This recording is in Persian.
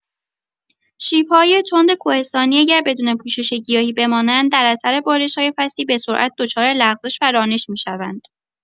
شیب‌های تند کوهستانی اگر بدون پوشش گیاهی بمانند، در اثر بارش‌های فصلی به‌سرعت دچار لغزش و رانش می‌شوند.